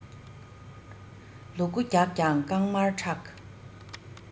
ལུ གུ རྒྱགས ཀྱང རྐང མར ཁྲག